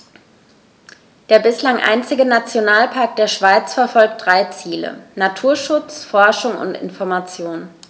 Der bislang einzige Nationalpark der Schweiz verfolgt drei Ziele: Naturschutz, Forschung und Information.